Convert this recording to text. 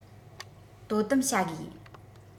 དོ དམ བྱ དགོས